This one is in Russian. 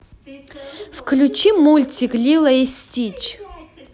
включи мультик лило и стич